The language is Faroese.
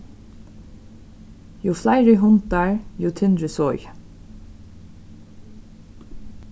jú fleiri hundar jú tynri soðið